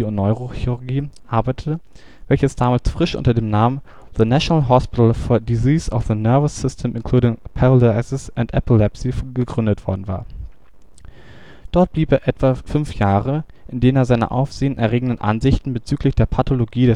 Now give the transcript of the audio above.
Neurochirurgie “) arbeitete, welches damals frisch unter dem Namen „ The National Hospital for Diseases of the Nervous System including Paralysis and Epilepsy “gegründet worden war. Dort blieb er für etwa fünf Jahre, in denen er seine aufsehenerregenden Ansichten bezüglich der Pathologie